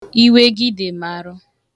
iweègidèmarụ